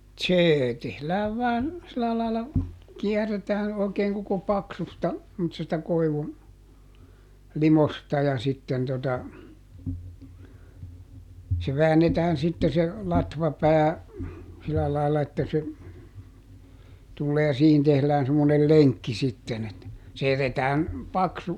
se tehdään vain sillä lailla kierretään oikein koko paksusta semmoisesta koivun limosta ja sitten tuota se väännetään sitten se latvapää sillä lailla että se tulee ja siihen tehdään semmoinen lenkki sitten että se jätetään paksu